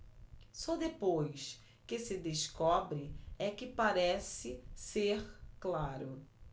só depois que se descobre é que parece ser claro